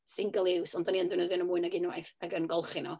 single use, ond dan ni yn defnyddio nhw mwy nag unwaith, ac yn golchi nhw.